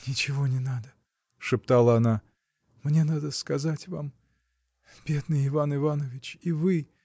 — Ничего не надо, — шептала она, — мне надо сказать вам. Бедный Иван Иванович, и вы!.